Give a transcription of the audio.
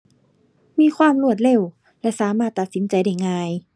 มีความรวดเร็วและสามารถตัดสินใจได้ง่าย